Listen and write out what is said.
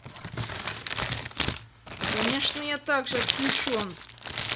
ну конечно я так же отключен